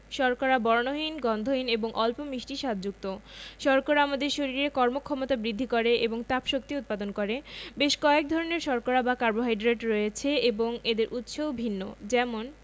শর্করা বর্ণহীন গন্ধহীন এবং অল্প মিষ্টি স্বাদযুক্ত শর্করা আমাদের শরীরে কর্মক্ষমতা বৃদ্ধি করে এবং তাপশক্তি উৎপাদন করে বেশ কয়েক ধরনের শর্করা বা কার্বোহাইড্রেট রয়েছে এবং এদের উৎসও ভিন্ন যেমন